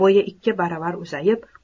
bo'yi ikki baravar uzayib